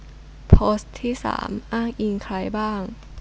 โพสต์ที่สามอ้างอิงใครบ้าง